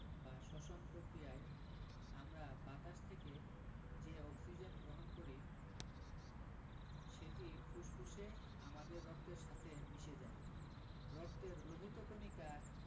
বা শ্বসন প্রক্রিয়ায় আমরা বাতাস থেকে যে অক্সিজেন গ্রহণ করি সেটি ফুসফুসে আমাদের রক্তের সাথে মিশে যায় রক্তের লোহিত কণিকা